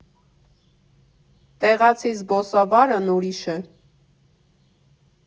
Տեղացի զբոսավարն ուրիշ է։